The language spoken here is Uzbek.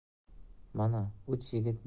mana uch yigit